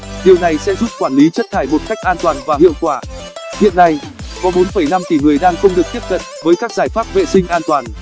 điều này sẽ giúp quản lý chất thải một cách an toàn và hiệu quả hiện nay có tỷ người đang không được tiếp cận với các giải pháp vệ sinh an toàn